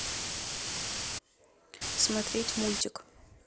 смотреть мультик